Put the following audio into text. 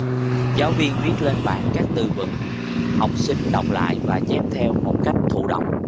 giáo viên viết lên bảng các từ vựng học sinh đọc lại và chép theo một cách thụ động